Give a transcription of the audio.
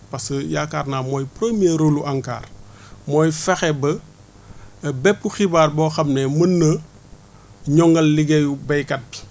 parce que yaakaar naa mooy premier rôle lu ANCAR mooy fexe ba bépp xibaar boo xam ne mën na ñoŊal liggéeyu béykat bi